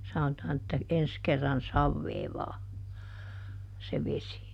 sanotaan että ensi kerran saveavaa se vesi